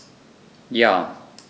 Ja.